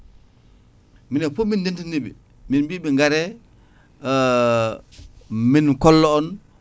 minen foof min ndendiniɓe min mbiɓe gaare min kolla on